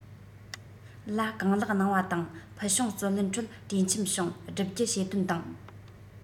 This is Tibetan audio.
ལ གང ལེགས གནང བ དང ཕུལ བྱུང བརྩོན ལེན ཁྲོད གྲོས འཆམ བྱུང བསྒྲུབ རྒྱུ བྱེད དོན དང